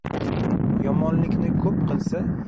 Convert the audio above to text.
yomonlikni ko'p qilsa